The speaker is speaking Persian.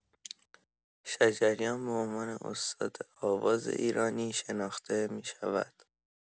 شجریان به عنوان استاد آواز ایرانی شناخته می‌شود.